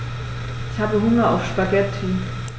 Ich habe Hunger auf Spaghetti.